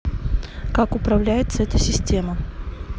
как управляется эта система